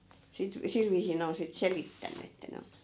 sitten sillä viisiin ne on sitten selittänyt että ne on